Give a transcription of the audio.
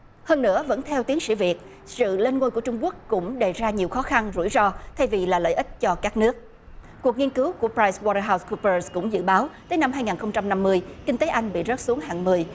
hơn nữa vẫn theo tiến sĩ việt sự lên ngôi của trung quốc cũng đề ra nhiều khó khăn rủi ro thay vì là lợi ích cho các nước cuộc nghiên cứu của pờ rai goa tơ hau cúp pơ cũng dự báo đến năm hai ngàn không trăm năm mươi kinh tế anh bị rớt xuống hạng mười